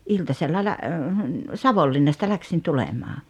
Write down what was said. iltasella - Savonlinnasta lähdin tulemaan